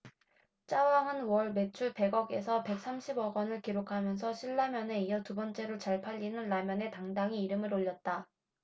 짜왕은 월 매출 백 억 에서 백 삼십 억원을 기록하면서 신라면에 이어 두번째로 잘 팔리는 라면에 당당히 이름을 올렸다